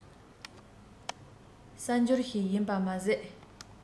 གསར འགྱུར ཞིག ཡིན པ མ ཟད